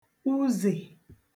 uzè